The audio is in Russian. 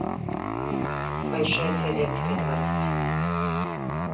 большая советская двадцать